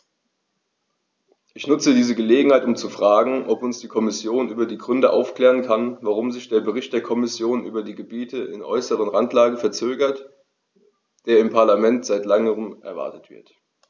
Ich nutze diese Gelegenheit, um zu fragen, ob uns die Kommission über die Gründe aufklären kann, warum sich der Bericht der Kommission über die Gebiete in äußerster Randlage verzögert, der im Parlament seit längerem erwartet wird.